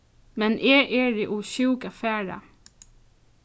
men eg eri ov sjúk at fara